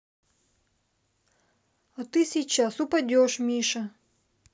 а ты сейчас упадешь миша